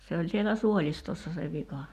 se oli siellä suolistossa se vika